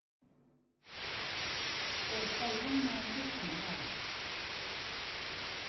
เปิดไฟห้องน้ำให้ฉันหน่อย